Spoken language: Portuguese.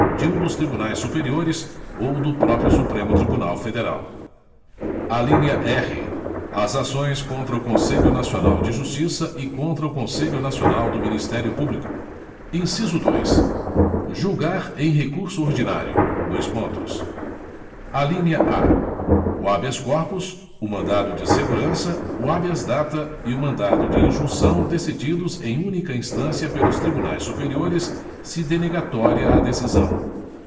de um dos tribunais superiores ou do próprio supremo tribunal federal alínea r as ações contra o conselho nacional de justiça e contra o conselho nacional do ministério público inciso dois julgar em recurso ordinário dois pontos alínea a o habeas corpus o mandado de segurança o habeas data e o mandado de injunção decididos em única instância pelos tribunais superiores se denegatória a decisão